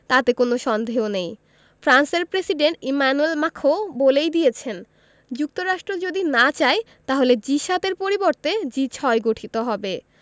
তাতে কোনো সন্দেহ নেই ফ্রান্সের প্রেসিডেন্ট ইমানুয়েল মাখোঁ বলেই দিয়েছেন যুক্তরাষ্ট্র যদি না চায় তাহলে জি ৭ এর পরিবর্তে জি ৬ গঠিত হবে